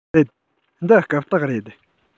རེད འདི རྐུབ སྟེགས རེད